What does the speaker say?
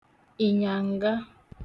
ị̀nyànga